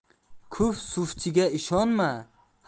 kuf sufchiga ishonsang